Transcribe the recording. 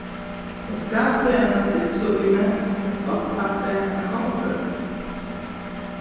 eg skræddi eina pitsu í meg og fekk gott kaffi á gongugøtuni